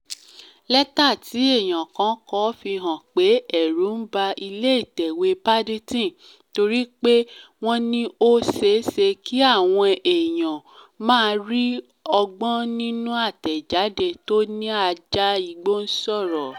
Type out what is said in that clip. Lẹ́tà tí èẹ̀yàn kan kọ fi hàn pé ẹ̀rù ń ba ilé-ìtẹ̀wé Paddington torí pé wọ́n ní ó ṣẹéṣe kí àwọn èèyàn máa rí ọgbọ́n nínú àtẹ̀jáde tó ní ajá igbó ń sọ̀rọ̀.